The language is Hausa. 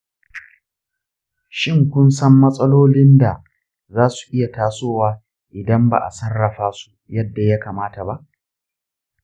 shin, kun san matsalolin da zasu iya tasowa idan ba a sarrafa su yadda ya kamata ba?